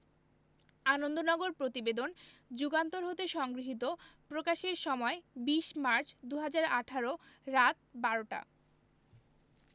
আনন্দনগর প্রতিবেদন যুগান্তর হতে সংগৃহীত প্রকাশের সময় ২০মার্চ ২০১৮ রাত ১২:০০ টা